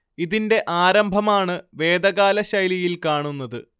ഇതിന്റെ ആരംഭമാണ് വേദകാല ശൈലിയിൽ കാണുന്നത്